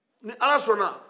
ni ala sɔnna